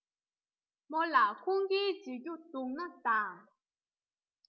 མོ ལ ཁུངས སྐྱེལ བྱེད རྒྱུ འདུག ན དང